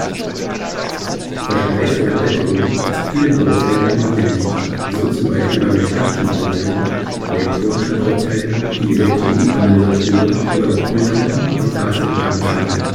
Verschleiß oder Alterung ist vielen Bauteilen immanent, so zum Beispiel bei mechanischen Bauteilen, elektronischen Bauteilen wie Elektrolytkondensatoren oder auch Glühlampen und Gasentladungslampen